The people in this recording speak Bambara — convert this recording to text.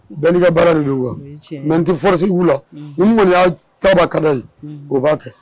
Bɛnkɛ baara deu wa mɛ tɛ forosi' la n y' taba ka o b'a kɛ